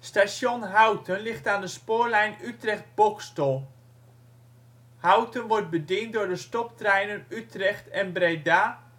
Houten ligt aan de spoorlijn Utrecht - Boxtel (Staatslijn H). Houten wordt bediend door de stoptreinen Utrecht en Breda